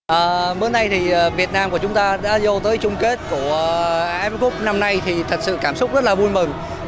ờ bữa nay thì việt nam của chúng ta đã dô tới chung kết của ây ép ép cúp năm nay thì thật sự cảm xúc rất là vui mừng